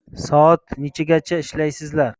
soat nechagacha ishlaysizlar